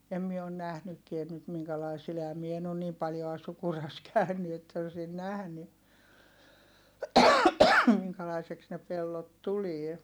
en minä ole nähnytkään nyt minkälainen sillä enhän minä en ole niin paljoa Sukurassa käynyt että olisin nähnyt minkälaiseksi ne pellot tulee